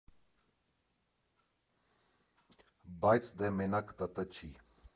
֊ Բայց դե մենակ ՏՏ չի.